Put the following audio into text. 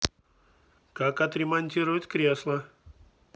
как отремонтировать кресла